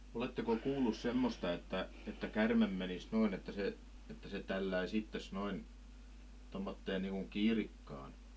oletteko kuullut semmoista että että käärme menisi noin että se että se tälläisi itsensä noin tuommoiseen niin kuin kiirikkaan